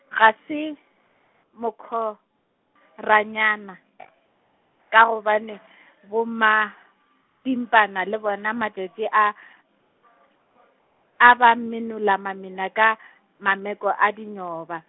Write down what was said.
ga se mokhoranyana , ka gobane bomapimpana le bona matšatši a , a ba minola mamina ka, mameko a dinyoba.